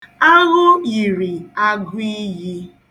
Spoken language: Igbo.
Aghụ yiri agụiyi .